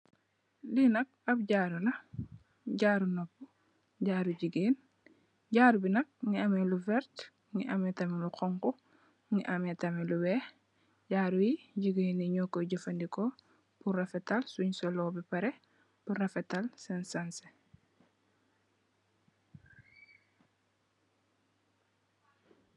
Lii nak ahb jaaru la, jaaru nopu, jaarou gigain, jaarou bii nak mungy ameh lu vert, mungy ameh tamit lu honku, mungy ameh tamit lu wekh, jaarou yii gigain yii njur koi jeufandehkor pur rafetal sungh soloh beh pareh pur rafetal sehn sanseh.